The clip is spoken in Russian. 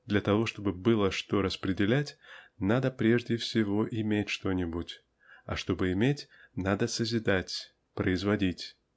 Для того чтобы было что распределять надо прежде всего иметь что-нибудь а чтобы иметь -- надо созидать производить.